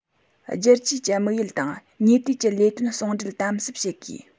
བསྒྱུར བཅོས ཀྱི དམིགས ཡུལ དང ཉེ དུས ཀྱི ལས དོན ཟུང འབྲེལ དམ ཟབ བྱ དགོས